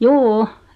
juu